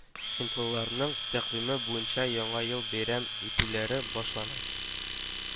Һиндлыларның тәкъвиме буенча яңа ел бәйрәм итүләре башлана